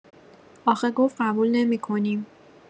آخه گفت قبول نمی‌کنیم